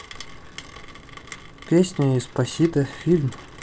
песня еспосито фильм